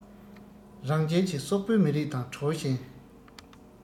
རང རྒྱལ གྱི སོག པོའི མི རིགས དང ཁྲོའོ ཞན